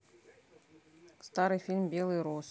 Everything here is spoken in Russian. старый фильм белые росы